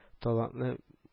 Талантлы